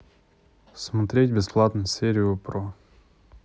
смотреть бесплатно серию про